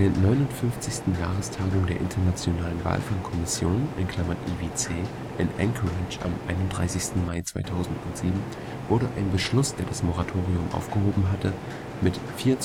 59. Jahrestagung der Internationalen Walfangkommission (IWC) in Anchorage am 31. Mai 2007 wurde ein Beschluss, der das Moratorium aufgehoben hätte, mit 4:37